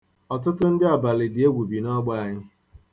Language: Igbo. Ọtụtụ ndị abalịdịegwu bi n'ogbe anyị.